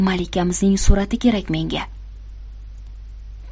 malikamizning surati kerak menga